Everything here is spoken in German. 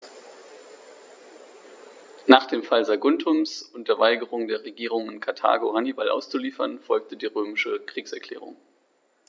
Nach dem Fall Saguntums und der Weigerung der Regierung in Karthago, Hannibal auszuliefern, folgte die römische Kriegserklärung.